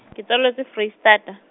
ke tswaletswe Foreistata.